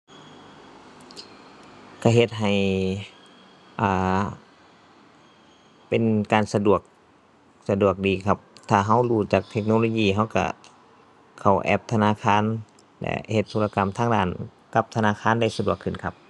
ก็เฮ็ดให้ อ่า เป็นการสะดวก สะดวกดีครับ ถ้าก็รู้จักเทคโนโลยี ก็ก็เข้าแอปธนาคาร และเฮ็ดธุรกรรมทางด้านกับธนาคารได้สะดวกขึ้นครับ